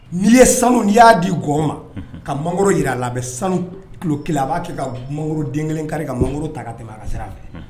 N'i ye sanu n'i y'a di gɔn ma kamuru jira a la a bɛ sanu kulo kelen a b'a kɛ ka mamuru den kelen kari ka mamuru ta ka tɛmɛ a ka sira fɛ